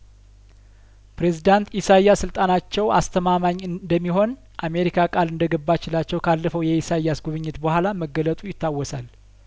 ፕሬዝዳንት ኢሳያስ ስልጣ ናቸው አስተማማኝ እንደሚሆን አሜሪካን ቃል እንደገባችላቸው ካለፈው የኢሳያስ ጉብኝት በኋላ መገለጡ ይታወሳል